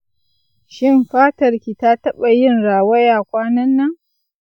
shin fatarki ta taɓa yin rawaya kwanan nan?